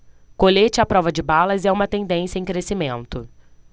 colete à prova de balas é uma tendência em crescimento